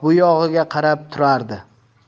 yoq bu yog'iga qarab turardi